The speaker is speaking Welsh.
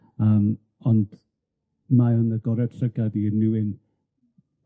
yym ond mae o'n agorad llygad i unrw un.